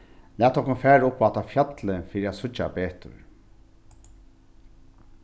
lat okkum fara upp á hatta fjallið fyri at síggja betur